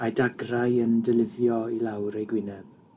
a'i dagrau yn dylifio i lawr ei gwyneb.